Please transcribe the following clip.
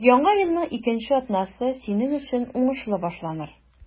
Яңа елның икенче атнасы синең өчен уңышлы башланыр.